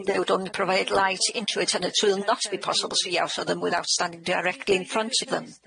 there would only provide light into it and it will not be possible to see out for them without standing directly in front of them.